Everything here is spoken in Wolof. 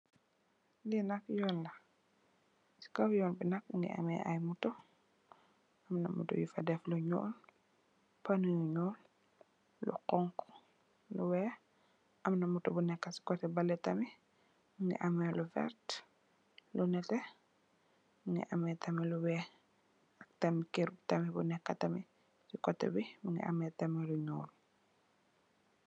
Li nak yun la si kaw yuun bi mongi am ay moto amna moto yu fa def yu nuul yu xonxu yu weex amna moto bu neka si kote belex tamit mongi ame lu vertah lu netex mongi ame tamit lu weex ak tam keur tamit bu neka tamit si kote bi mongi ame tamit lu ñuul.